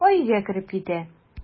Апа өйгә кереп китә.